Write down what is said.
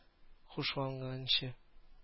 Хушланганчы